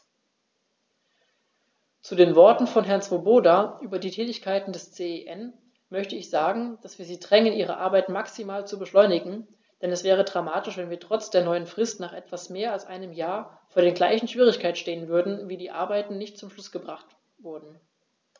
Zu den Worten von Herrn Swoboda über die Tätigkeit des CEN möchte ich sagen, dass wir sie drängen, ihre Arbeit maximal zu beschleunigen, denn es wäre dramatisch, wenn wir trotz der neuen Frist nach etwas mehr als einem Jahr vor den gleichen Schwierigkeiten stehen würden, weil die Arbeiten nicht zum Abschluss gebracht wurden.